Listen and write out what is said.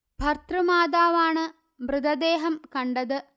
ഭർത്തൃമാതാവാണ് മൃതദേഹം കണ്ടത്